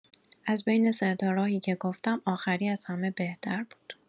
از بین ۳ تا راهی که گفتم آخری از همه بهتر بود.